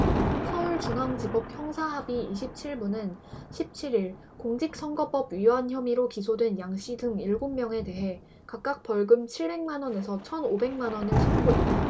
서울중앙지법 형사합의 이십 칠 부는 십 칠 일 공직선거법 위반 혐의로 기소된 양씨 등 일곱 명에 대해 각각 벌금 칠백 만 에서 천 오백 만원을 선고했다